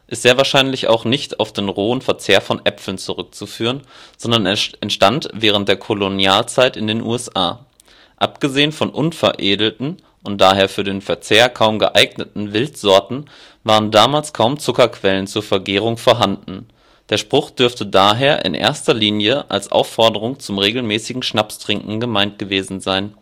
sehr wahrscheinlich auch nicht auf den rohen Verzehr von Äpfeln zurückzuführen, sondern entstand während der Kolonialzeit in den USA. Abgesehen von unveredelten (und daher für den Verzehr kaum geeigneten) Wildsorten waren damals kaum Zuckerquellen zur Vergärung vorhanden. Der Spruch dürfte daher in erster Linie als Aufforderung zum regelmäßigen Schnapstrinken gemeint gewesen sein